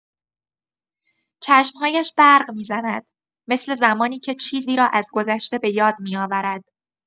چشم‌هایش برق می‌زند، مثل زمانی که چیزی را از گذشته بۀاد می‌آورد.